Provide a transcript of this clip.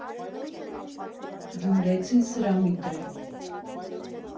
Գյումրեցին սրամիտ է։